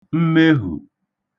mmehù